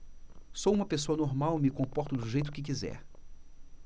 sou homossexual e me comporto do jeito que quiser